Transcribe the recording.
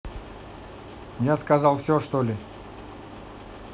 я сказал все что ли